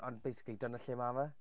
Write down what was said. Ond basically dyna lle ma' fe.